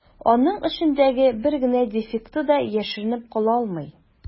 Аның эчендәге бер генә дефекты да яшеренеп кала алмый.